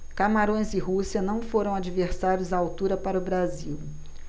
camarões e rússia não foram adversários à altura para o brasil